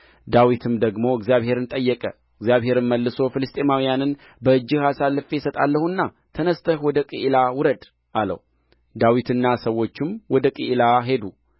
ዳዊትም ደግሞ እግዚአብሔርን ጠየቀ እግዚአብሔርም መልሶ ፍልስጥኤማውያንን በእጅህ አሳልፌ እሰጣለሁና ተነሥተህ ወደ ቅዒላ ውረድ አለው ዳዊትና ሰዎቹም ወደ ቅዒላ ሄዱ